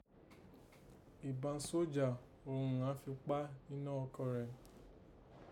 Ìban sójà òghun àán fi pá ní inọ́ ọkọ rẹ̀